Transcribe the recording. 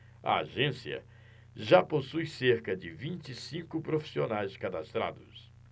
a agência já possui cerca de vinte e cinco profissionais cadastrados